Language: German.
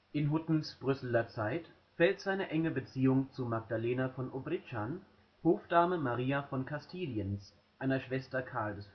In Huttens Brüsseler Zeit fällt seine enge Beziehung zu Magdalena von Obritschan, Hofdame Maria von Kastiliens, einer Schwester Karls